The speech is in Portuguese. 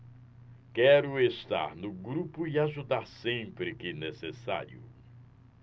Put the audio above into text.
quero estar no grupo e ajudar sempre que necessário